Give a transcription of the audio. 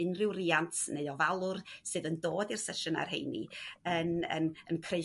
unrhyw riant neu ofalwr sydd yn dod i'r sesiyna'r rheini yn yn creu